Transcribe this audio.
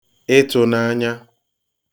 ịtụ̄nanya